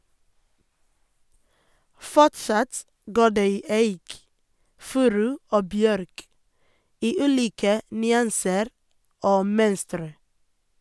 Fortsatt går det i eik, furu og bjørk - i ulike nyanser og mønstre.